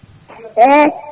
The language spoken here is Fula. eyyi